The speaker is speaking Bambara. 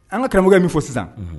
An ka karamɔgɔkɛ min fɔ sisan, unhun